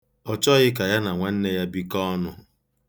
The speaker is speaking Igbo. Ọchọghị ka ya na nwanne ya bikọ ọnụ.